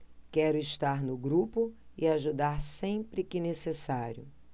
quero estar no grupo e ajudar sempre que necessário